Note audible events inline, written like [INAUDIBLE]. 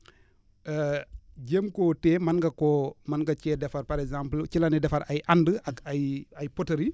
[HESITATION] jéem koo téye mën nga koo mën nga cee defar par exemple ci la ñuy defar ay and ak ay ay poteries